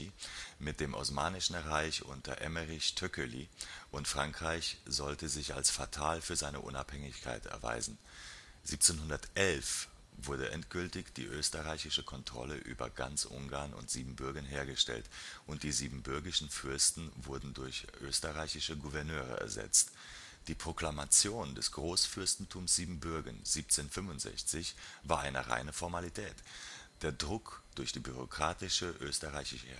mit dem Osmanischen Reich unter Emmerich Thököly und Frankreich sollte sich als fatal für seine Unabhängigkeit erweisen. 1711 wurde endgültig die österreichische Kontrolle über ganz Ungarn und Siebenbürgen hergestellt und die siebenbürgischen Fürsten wurden durch österreichische Gouverneure ersetzt. Die Proklamation des Großfürstentums Siebenbürgen 1765 war eine reine Formalität. Der Druck durch die bürokratische österreichische